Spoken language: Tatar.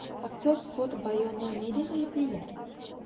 Актер Скотт Байоны нидә гаеплиләр?